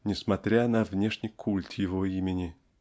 несмотря на внешний культ его имени.